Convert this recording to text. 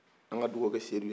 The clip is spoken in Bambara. an ka dugawu kɛ sedu ye